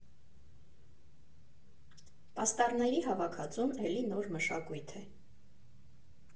Պաստառների հավաքածուն էլի նոր մշակույթ է։